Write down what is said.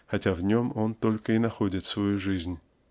хотя в нем он только и находит свою жизнь.